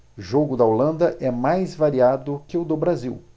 jogo da holanda é mais variado que o do brasil